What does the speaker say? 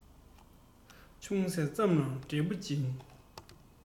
ཅུང ཟད ཙམ ལའང འབྲས བུ འབྱིན